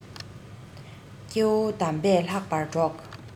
སྐྱེ བོ དམ པས ལྷག པར སྒྲོགས